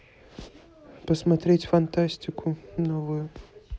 посмотреть фантастику новую